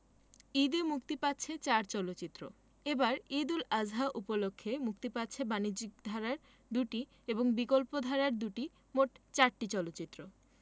ঈদে মুক্তি পাচ্ছে চার চলচ্চিত্র এবারের ঈদ উল আযহা উপলক্ষে মুক্তি পাচ্ছে বাণিজ্যিক ধারার দুটি এবং বিকল্পধারার দুটি মোট চারটি চলচ্চিত্র